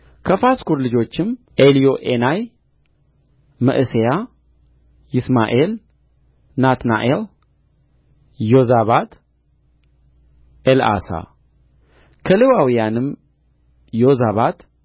ከፋስኩር ልጆችም ኤልዮዔናይ መዕሤያ ይስማኤል ናትናኤል ዮዛባት ኤልዓሣ ከሌዋውያንም ዮዛባት